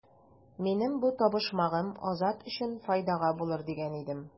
Минем бу табышмагым Азат өчен файдага булыр дигән идем.